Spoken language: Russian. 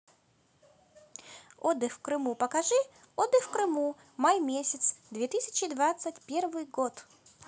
отдых в крыму покажи отдых в крыму май месяц две тысячи двадцать первый год